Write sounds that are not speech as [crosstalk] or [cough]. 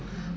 [hesitation] [hesitation]